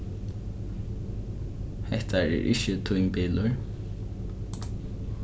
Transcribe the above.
hetta er ikki tín bilur